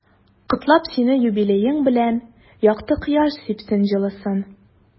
Котлап сине юбилеең белән, якты кояш сипсен җылысын.